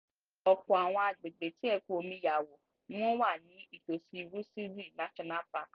Ọ̀pọ̀ àwọn agbègbè tí ẹ̀kún omi ya wọ̀ ni wọ́n wà ní ìtòsí Rusizi National Park.